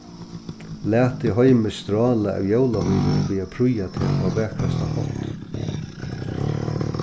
latið heimið strála av jólahýri við at prýða tað á vakrasta hátt